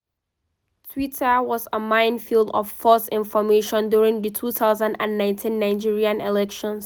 Twitter was a minefield of false information during the 2019 Nigerian elections